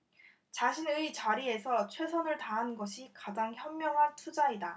자신의 자리에서 최선을 다하는 것이 가장 현명한 투자이다